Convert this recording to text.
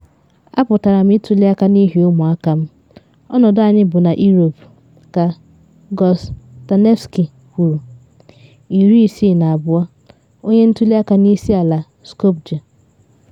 “Apụtara m ituli aka n’ihi ụmụaka m, ọnọdụ anyị bụ na Europe,” ka Gjose Tanevski kwuru, 62, onye ntuli aka n’isi ala, Skopje.